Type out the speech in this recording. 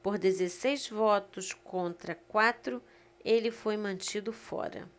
por dezesseis votos contra quatro ele foi mantido fora